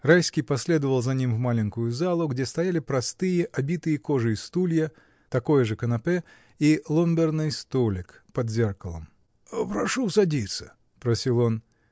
Райский последовал за ним в маленькую залу, где стояли простые, обитые кожей стулья, такое же канапе и ломберный столик под зеркалом. — Прошу садиться! — просил он.